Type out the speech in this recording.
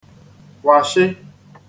kwàshị